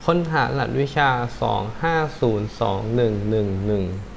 ค้นหารหัสวิชาสองห้าศูนย์สองหนึ่งหนึ่งหนึ่ง